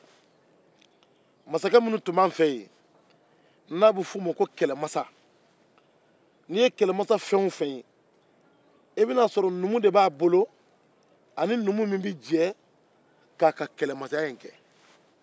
kɛlɛmasa minnu tun b'an fɛ yan n'i ye kɛlɛmasa fɛn o fɛn ye i b'a sɔrɔ numu de b'a bolo a ni min bɛ jɛ k'a ka kɛlɛmasaya in kɛ